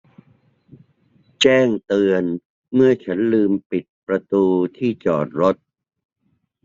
แจ้งเตือนเมื่อฉันลืมปิดประตูที่จอดรถ